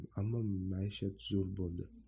ammo maishat zo'r bo'ldi